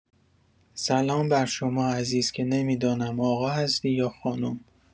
سلام بر شما عزیز که نمی‌دانم آقا هستی یا خانم.